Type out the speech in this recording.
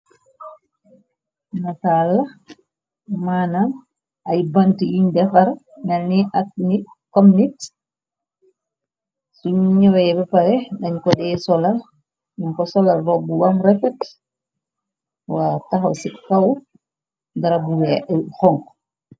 Nataall maana ay bant yiñ defar nalni ak ni comnik suñu ñëwee b parex dañ ko dee solol yum ko solal rob bu wam reflex waa taxaw ci kaw darabuwee xong.